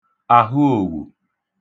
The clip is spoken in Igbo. àhụòwù